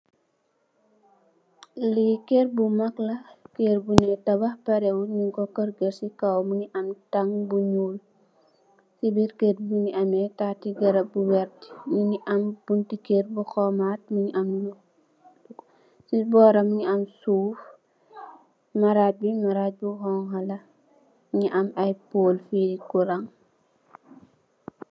Lii kerr bu mak la, kerr bunjui tabakh pareh wut, njung kor corgate cii kaw mungy am tank bu njull, cii birr kerr bii mungy ameh taati garab bu vert, njungy am bunti kerr bu hormat, mungy am lu, cii bohram mungy am suff, marajj bii marajj bu honha la, mungy am aiiy pole fili kurang.